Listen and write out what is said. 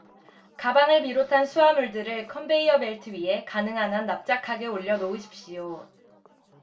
가방을 비롯한 수하물들을 컨베이어 벨트 위에 가능한 한 납작하게 올려놓으십시오